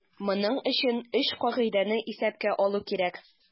Моның өчен өч кагыйдәне исәпкә алу кирәк.